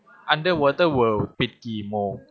อันเดอร์วอเตอร์เวิล์ดปิดกี่โมง